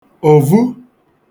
òvu